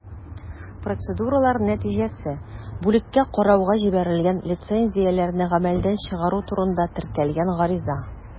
Процедуралар нәтиҗәсе: бүлеккә карауга җибәрелгән лицензияләрне гамәлдән чыгару турында теркәлгән гариза.